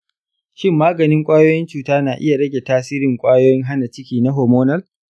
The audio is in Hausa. shin maganin ƙwayoyin cuta na iya rage tasirin kwayoyin hana ciki na hormonal?